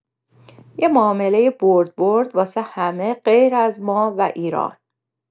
یه معامله برد برد واسه همه غیراز ما و ایران!